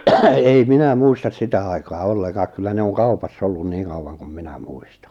ei minä muista sitä aikaa ollenkaan kyllä ne on kaupassa ollut niin kauan kuin minä muistan